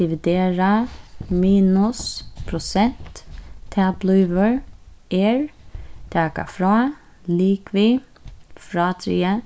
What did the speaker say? dividera minus prosent tað blívur er taka frá ligvið frádrigið